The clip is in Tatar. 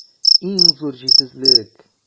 Иң зур тизлек!